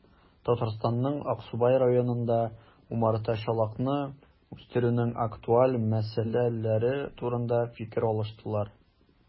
Татарстанның Аксубай районында умартачылыкны үстерүнең актуаль мәсьәләләре турында фикер алыштылар